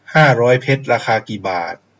ห้าร้อยเพชรราคากี่บาท